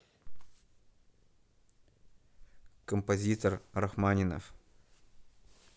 композитор рахманинов